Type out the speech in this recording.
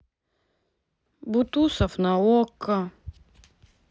бутусов на окко